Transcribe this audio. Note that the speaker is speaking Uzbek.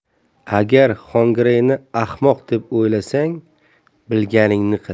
agar xongireyni ahmoq deb o'ylasang bilganingni qil